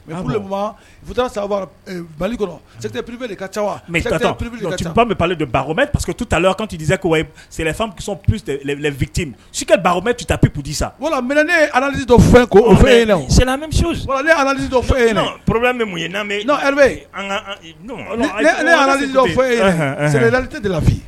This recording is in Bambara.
U futap ka cabi bɛ don mɛ paseke quetu tala aw kan ti dizselɛtti si baako bɛ taa pp sa wala mɛ ne alaz dɔ fɛn ko o in alaz eye porobi mun ye lamɛn n'be alaali edali tɛ de lafi